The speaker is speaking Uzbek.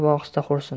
ohista xo'rsindi